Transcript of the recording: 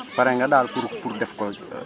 pare nga daal pour pour def ko